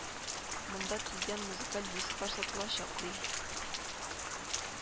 Монда тиздән музыкаль дисклар сатылачак, ди